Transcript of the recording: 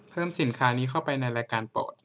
เพิ่มสินค้านี้เข้าไปในรายการโปรด